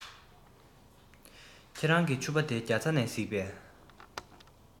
ཁྱེད རང གི ཕྱུ པ དེ རྒྱ ཚ ནས གཟིགས པས